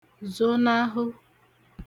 zonahụ